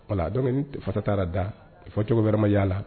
Voila donc ni faa taara da ,fɔcogo wɛrɛ ma y'a la